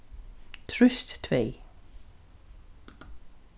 trýst tvey